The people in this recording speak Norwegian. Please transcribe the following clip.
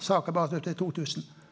saka blei avslutta i totusen.